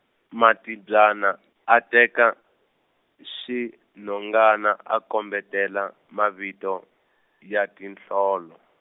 matibyana a teka xinhongana a kombetela mavito ya tinhlolo.